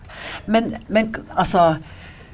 men men altså.